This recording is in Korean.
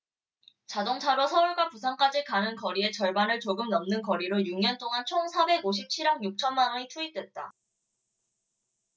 자동차로 서울과 부산까지 가는 거리의 절반을 조금 넘는 거리로 육 년 동안 총 삼백 오십 칠 억 육 천만원이 투입됐다